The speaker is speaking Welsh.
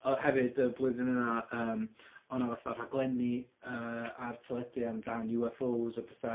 yy hefyd y blwyddyn yna yym, o' 'na fatha rhaglenni yy ar teledu amdan UFOs a petha